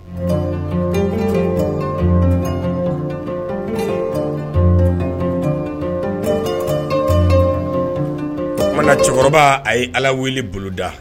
Tuma na cɛkɔrɔba a ye Ala wele boloda